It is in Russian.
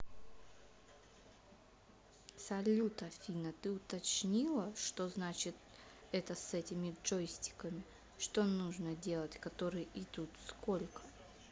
салют афина ты уточнила что значит это с этими джойстиками что нужно делать которые идут сколько